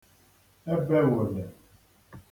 ebewòlè